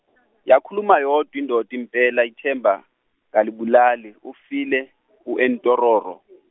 yakhuluma yodwa indoda impela ithemba, kalibulali ufile u Entororo.